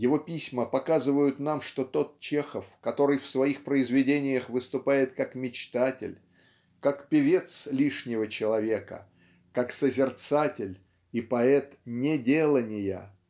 его письма показывают нам, что тот Чехов, который в своих произведениях выступает как мечтатель, как певец лишнего человека, как созерцатель и поэт "неделания",